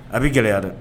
A bɛ gɛlɛyayara dɛ